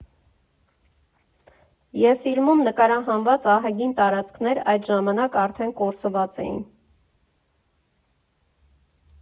Եվ ֆիլմում նկարահանված ահագին տարածքներ այդ ժամանակ արդեն կորսված էին։